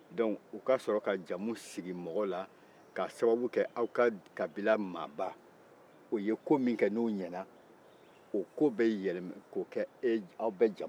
o la u ka sɔrɔ ka jamu sigi mɔgɔw la k'a sababu k'aw ka kabila maaba o ye ko min kɛ n'o ɲana o ko bɛ yɛlɛma k'o k'aw bɛɛ jamu ye